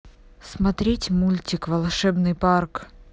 смотреть мультик волшебный парк